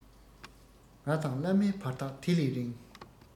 ང དང བླ མའི བར ཐག དེ ལས རིང